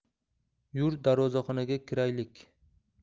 yur darvozaxonaga kiraylik